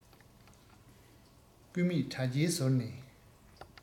སྐུད མེད དྲ རྒྱའི ཟུར ནས